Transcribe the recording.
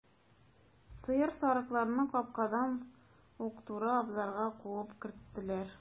Сыер, сарыкларны капкадан ук туры абзарга куып керттеләр.